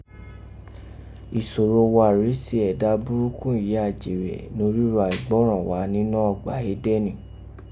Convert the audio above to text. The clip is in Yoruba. Isoro wa rèé se ẹ̀dá buruku yìí a jere norígho aigboran wa ninọ́ ọ̀gba Edeni.